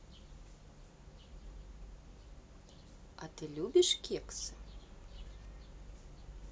а ты любишь кексы